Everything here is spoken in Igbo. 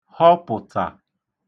họpụ̀ta